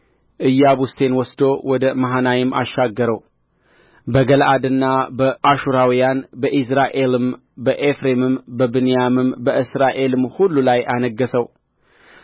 ኢያቡስቴን ወስዶ ወደመሃናይም አሻገረው በገለዓድና በአሹራውያን በኢይዝራኤልም በኤፍሬምም በብንያምም በእስራኤልም ሁሉ ላይ አነገሠው